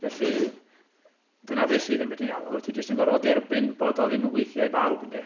Felly dyna beth sydd yn beth ti'n galw. Ti jyst yn gorfod derbyn bod o ddim yn gweithio i bawb yn'de.